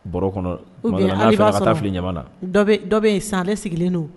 Bɔrɔ kɔnɔ kuma dɔw bɛ yen ka taa fili ɲama na ou bien hali b'a sɔrɔ dɔ ben in dɔ ben in ale sigilen don